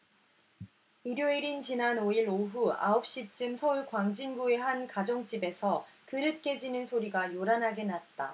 일요일인 지난 오 일 오후 아홉 시쯤 서울 광진구의 한 가정집에서 그릇 깨지는 소리가 요란하게 났다